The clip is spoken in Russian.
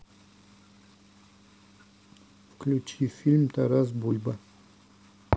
включи фильм тарас бульба